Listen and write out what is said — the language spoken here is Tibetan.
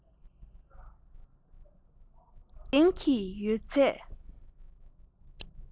འཇིག རྟེན གྱི ཡོད ཚད